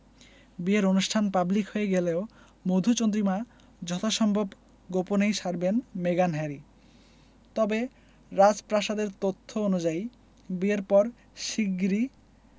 বিয়ের অনুষ্ঠান পাবলিক হয়ে গেলেও মধুচন্দ্রিমা যথাসম্ভব গোপনেই সারবেন মেগান হ্যারি তবে রাজপ্রাসাদের তথ্য অনুযায়ী বিয়ের পর শিগগিরই